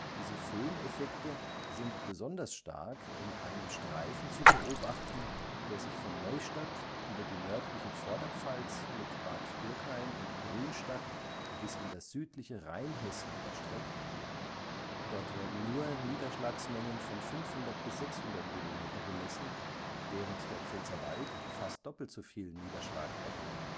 Diese Föhneffekte sind besonders stark in einem Streifen zu beobachten, der sich von Neustadt über die nördliche Vorderpfalz mit Bad Dürkheim und Grünstadt bis in das südliche Rheinhessen erstreckt; dort werden nur Niederschlagsmengen von 500 bis 600 mm gemessen, während der Pfälzerwald fast doppelt so viel Niederschlag erhält